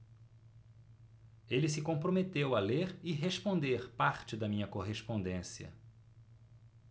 ele se comprometeu a ler e responder parte da minha correspondência